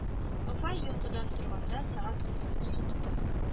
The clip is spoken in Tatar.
Вафа йокыдан торганда, сәгать унберне сукты